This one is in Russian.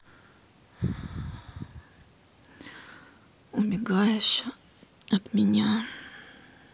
убегаешь от меня